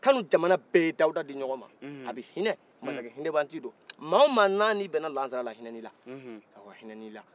knu jamana bɛɛ ye dawuda di ɲɔgɔn ma a bɛ hinɛ masakɛ hinɛbaci don mɔgɔ wo mɔgɔ n'a ni bɛna lasara la a hinɛlila awɔ a hinɛlila